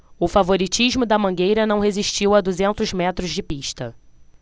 o favoritismo da mangueira não resistiu a duzentos metros de pista